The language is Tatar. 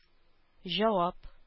Җавап